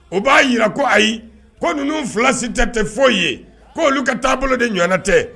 O b'a jira ko ayi ko ninnu filasi tɛ tɛ foyi ye ko olu ka taabolo de ɲɔgɔnna tɛ